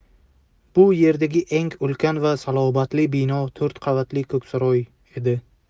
bu yerdagi eng ulkan va salobatli bino to'rt qavatli ko'ksaroy edi